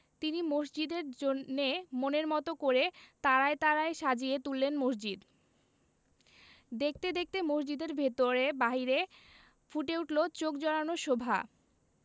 তিনি মসজিদের জন্যে মনের মতো করে তারায় তারায় সাজিয়ে তুললেন মসজিদ দেখতে দেখতে মসজিদের ভেতরে বাইরে ফুটে উঠলো চোখ জুড়ানো শোভা